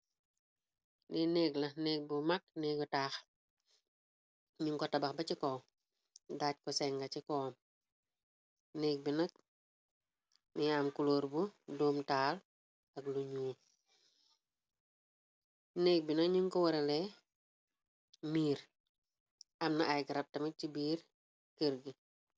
Li ni negg la nekk bu mag neegu taax ñun ko tabax ba ci kow daaj. ko senga ci koom nék bina ni am kulóor bu doom taal ak lu ñuu nékg bi na ñun ko waralee miir amna ay grab tami ci biir kër gi